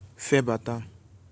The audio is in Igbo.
febàta